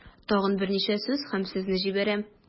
Тагын берничә сүз һәм сезне җибәрәм.